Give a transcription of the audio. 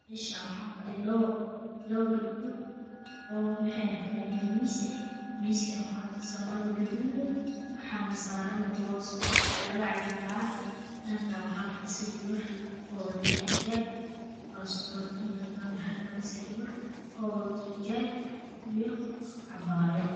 Meshan waxa fadhiyo labo gabdhod waxena fadhiyan mel miis ah miska waxa fid san maro gudud ah waxana saran borso labo cag biyo caafi dhankan waxa fadhisa gabar o wadata xijab o asturan dhan kaan kale waxa fadhisa gaba wadata xijaab cabayad